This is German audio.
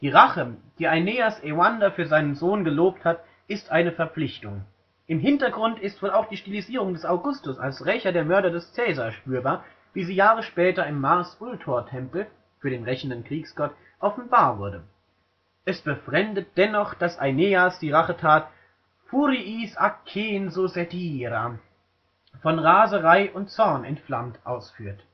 Rache, die Aeneas Euander für seinen Sohn gelobt hat, ist eine Verpflichtung. Im Hintergrund ist wohl auch die Stilisierung des Augustus als Rächer der Mörder des Caesar spürbar, wie sie Jahre später im Mars-Ultor-Tempel (für den rächenden Kriegsgott) offenbar wurde. Es befremdet dennoch, dass Aeneas die Rachetat „ furiis accensus et ira “(von Raserei und Zorn entflammt) ausführt